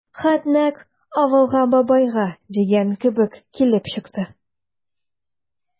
Хат нәкъ «Авылга, бабайга» дигән кебек килеп чыкты.